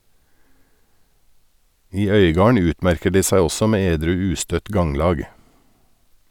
I Øygarden utmerker de seg også med edru ustøtt ganglag.